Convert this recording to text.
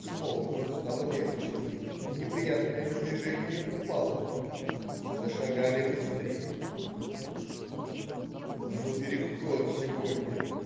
Смолкло, стало легче, неприятное напряжение упало. Зашагали быстрей. "Ну переход сегодня!